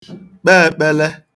kpe ēkpēlē